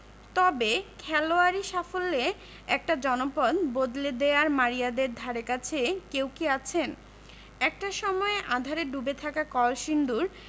তবে খেলোয়াড়ি সাফল্যে একটা জনপদ বদলে দেওয়ায় মারিয়াদের ধারেকাছে কেউ কি আছেন একটা সময়ে আঁধারে ডুবে থাকা কলসিন্দুর